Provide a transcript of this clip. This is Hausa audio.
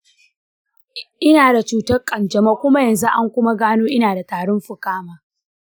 ina da cutar kanjamau kuma yanzu an kuma gano ina da tarin fuka ma.